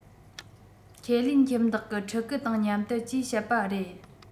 ཁས ལེན ཁྱིམ བདག གི ཕྲུ གུ དང མཉམ དུ ཅེས བཤད པ རེད